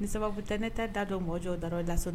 Ni sababu tɛ, ne tɛ da don mɔgɔ dɔw da ra su in na